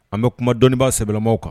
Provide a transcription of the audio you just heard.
An bɛ kuma dɔnniibaa sɛlaw kan